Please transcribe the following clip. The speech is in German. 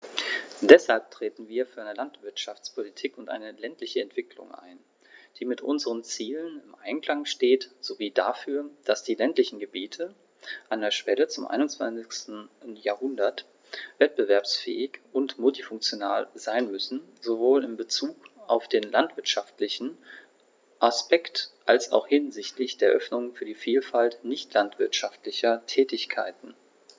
Deshalb treten wir für eine Landwirtschaftspolitik und eine ländliche Entwicklung ein, die mit unseren Zielen im Einklang steht, sowie dafür, dass die ländlichen Gebiete an der Schwelle zum 21. Jahrhundert wettbewerbsfähig und multifunktional sein müssen, sowohl in Bezug auf den landwirtschaftlichen Aspekt als auch hinsichtlich der Öffnung für die Vielfalt nicht landwirtschaftlicher Tätigkeiten.